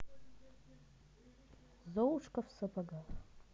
золушка в сапогах